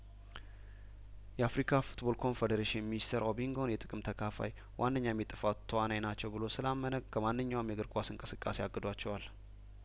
የአፍሪካ ፉትቦል ኮንፌዴሬሽን ሚኒስትር ኦቢንጐን የጥቅም ተካፋይና ለጥፋቱ ዋንኛ ተዋንያን ናቸው ብሎ ስላመነ ከማንኛውም የእግር ኳስ እንቅስቃሴ አግዷቸዋል